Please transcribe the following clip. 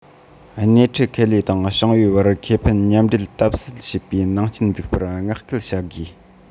སྣེ འཁྲིད ཁེ ལས དང ཞིང པའི བར ཁེ ཕན མཉམ འབྲེལ དམ ཟབ བྱེད པའི ནང རྐྱེན འཛུགས པར བསྔགས སྐུལ བྱ དགོས